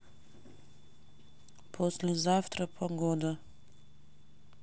послезавтра погода